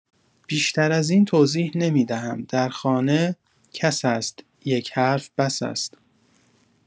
بیشتر از این توضیح نمی‌دهم، در خانه کس است، یک حرف بس است.